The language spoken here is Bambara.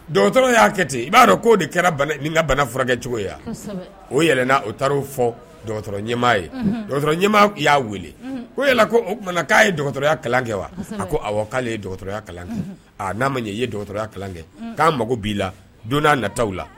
Dɔgɔtɔrɔ y'a kɛ ten i b'a dɔn k'o de kɛra ka bana furakɛkɛcogo yan o yɛlɛ o taara' fɔ ɲɛmaa yema y'a wele ko yala ko oumana k'a ye dɔgɔtɔrɔya kalan kɛ wa a ko k'ale ye dɔgɔtɔrɔya kalan kɛ n'a ma ye ye dɔgɔtɔrɔya kalan kɛ k'a mako b'i la dunan nata la